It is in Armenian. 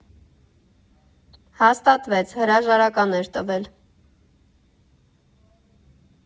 Հաստատվեց՝ հրաժարական էր տվել։